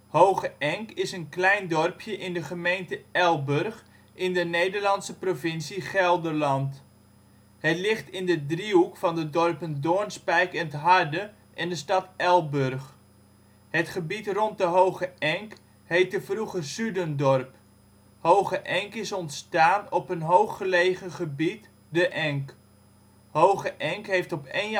Hoge Enk is een klein dorpje in de gemeente Elburg in de Nederlandse provincie Gelderland. Het ligt in de driehoek van de dorpen Doornspijk en ' t Harde en de stad Elburg. Het gebied rond de Hoge Enk heette vroeger Zudendorp. Hoge Enk is ontstaan op een hooggelegen gebied, de Enk. Hoge Enk heeft op 1 januari